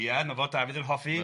Ia, 'na fo Dafydd yn hoffi...